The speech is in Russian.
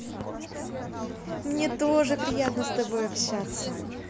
мне тоже приятно с тобой общаться